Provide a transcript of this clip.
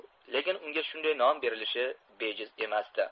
lekin unga shunday nom berilishi bejiz emasdi